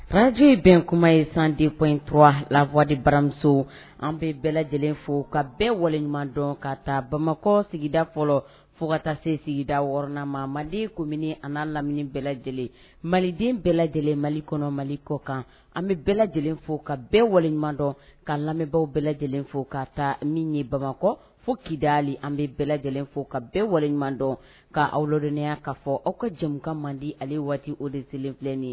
Farajo in bɛn kuma ye san dep intura lawadi baramuso an bɛ bɛɛ lajɛlen fɔ ka bɛɛ waliɲuman dɔn ka taa bamakɔ sigida fɔlɔ fo kata se sigida wɔan ma manden kominɛ an lamini bɛɛ lajɛlen maliden bɛɛ lajɛlen mali kɔnɔ mali kɔ kan an bɛ bɛɛ lajɛlen fo ka bɛɛ waleɲuman dɔn ka lamɛnbaa bɛɛ lajɛlen fo ka taa min ye bamakɔ fo kida an bɛ bɛɛ lajɛlen fo ka bɛɛ waleɲuman dɔn ka aw ladɔnnenya kaa fɔ aw ka jamu man di ale waati o de selenfi ye